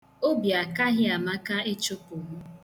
Obi akaghị Amaka ịchụpụ m.